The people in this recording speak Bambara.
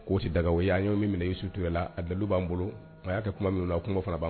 Kosi daga o y'a ye' min minɛ i suturala a dalu b'an bolo a y'a kɛ kuma min na a kungo fana b ban